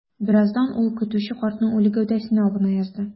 Бераздан ул көтүче картның үле гәүдәсенә абына язды.